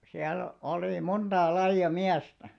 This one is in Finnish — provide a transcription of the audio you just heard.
siellä oli montaa lajia miestä